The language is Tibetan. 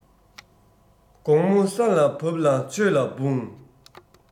དགོང མོ ས ལ བབས ལ ཆོས ལ འབུངས